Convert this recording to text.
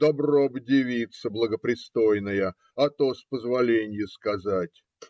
Добро бы девица благопристойная, а то, с позволенья сказать.